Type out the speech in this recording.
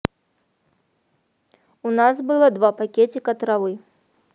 у нас было два пакетика травы